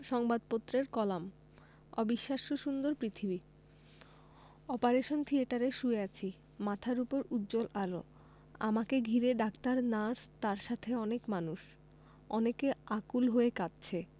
সংবাদপত্রের কলাম অবিশ্বাস্য সুন্দর পৃথিবী অপারেশন থিয়েটারে শুয়ে আছি মাথার ওপর উজ্জ্বল আলো আমাকে ঘিরে ডাক্তার নার্স তার সাথে অনেক মানুষ অনেকে আকুল হয়ে কাঁদছে